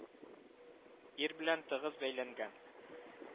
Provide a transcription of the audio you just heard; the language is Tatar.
Ир белән тыгыз бәйләнгән